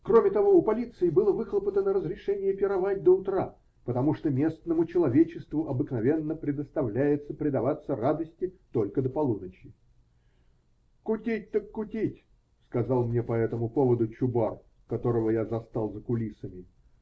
Кроме того, у полиции было выхлопотано разрешение пировать до утра, потому что местному человечеству обыкновенно предоставляется предаваться радости только до полуночи -- Кутить, так кутить, -- сказал мне по этому поводу Чубар, которого я застал за кулисами.